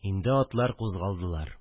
Инде атлар кузгалдылар